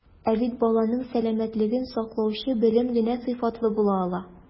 Ә бит баланың сәламәтлеген саклаучы белем генә сыйфатлы була ала.